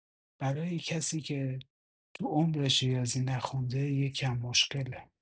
برا کسی که تو عمرش ریاضی نخونده یکم مشکله